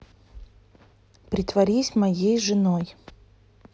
притворись моей женой